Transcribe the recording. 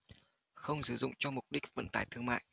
không sử dụng cho mục đích vận tải thương mại